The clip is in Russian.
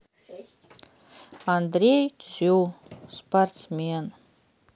андрей дзю спортсмен